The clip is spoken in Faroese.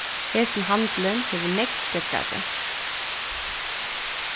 hesin handilin hevur nógv góðgæti